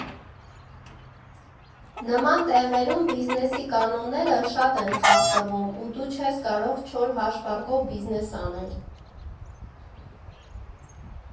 Նման տեղերում բիզնեսի կանոնները շատ են խախտվում, ու դու չես կարող չոր հաշվարկով բիզնես անել։